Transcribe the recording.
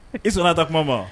I sɔnna a ka kuma ma